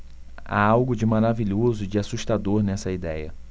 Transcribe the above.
há algo de maravilhoso e de assustador nessa idéia